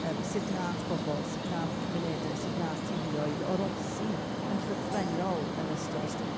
yym sut wnaeth pobl, sut wnaeth cymunedau, sut wnaeth teuluoedd oroesi yn llythrennol yn ystod y streic